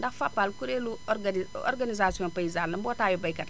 ndax Fapal kuréelu organi organisation paysane la mbootaayu baykat yi